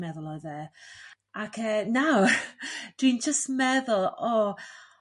meddwl o'dd e ac e nawr dwi'n jyst meddwl o